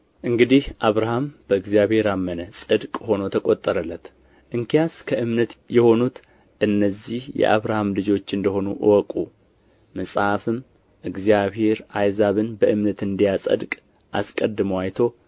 እንግዲህ አብርሃም በእግዚአብሔር አመነና ጽድቅ ሆኖ ተቆጠረለት እንኪያስ ከእምነት የሆኑት እነዚህ የአብርሃም ልጆች እንደ ሆኑ እወቁ መጽሐፍም እግዚአብሔር አሕዛብን በእምነት እንዲያጸድቅ አስቀድሞ አይቶ